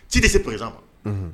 Ci tɛ se pzsa ma